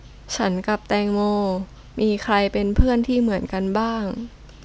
ฉันกับแตงโมมีใครเป็นเพื่อนที่เหมือนกันบ้าง